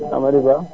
amady Ba